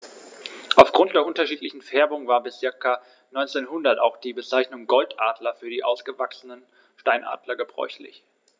Auf Grund der unterschiedlichen Färbung war bis ca. 1900 auch die Bezeichnung Goldadler für ausgewachsene Steinadler gebräuchlich.